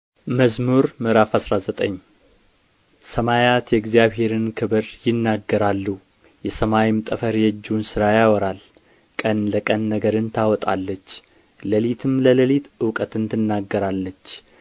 መዝሙር ምዕራፍ አስራ ዘጠኝ ሰማያት የእግዚአብሔርን ክብር ይናገራሉ የሰማይም ጠፈር የእጁን ሥራ ያወራል ቀን ለቀን ነገርን ታወጣለች ሌሊትም ለሌሊት እውቀትን ትናገራለች